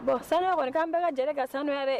Bon sanu wari' an bɛ ka gɛlɛ ka sanu yɛrɛ